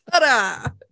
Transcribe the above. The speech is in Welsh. Tara!